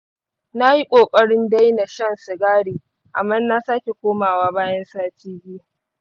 na yi ƙoƙarin daina shan sigari, amman na sake komawa bayan sati biyu.